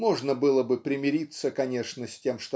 Можно было бы примириться конечно с тем